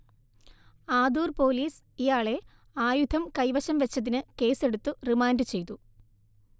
Adoor police ഇയാളെ ആയുധം കൈവശംവച്ചതിന് കേസെടുത്ത് റിമാൻഡുചെയ്തു